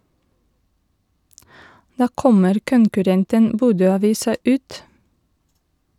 Da kommer konkurrenten Bodøavisa ut.